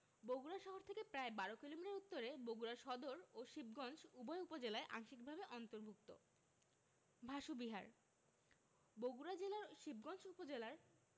বগুড়া শহর থেকে প্রায় ১২ কিলোমিটার উত্তরে বগুড়া সদর ও শিবগঞ্জ উভয় উপজেলায় আংশিকভাবে অন্তর্ভুক্ত ভাসু বিহার বগুড়া জেলার শিবগঞ্জ উপজেলার